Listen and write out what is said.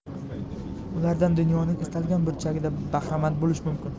ulardan dunyoning istalgan burchagida bahramand bo'lish mumkin